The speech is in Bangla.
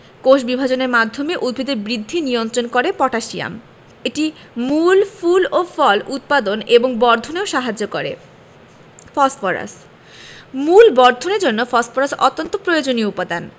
কোষবিভাজনের মাধ্যমে উদ্ভিদের বৃদ্ধি নিয়ন্ত্রণ করে পটাশিয়াম এটি মূল ফুল ও ফল উৎপাদন এবং বর্ধনেও সাহায্য করে ফসফরাস মূল বর্ধনের জন্য ফসফরাস অত্যন্ত প্রয়োজনীয় উপাদান